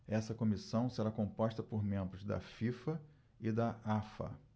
essa comissão será composta por membros da fifa e da afa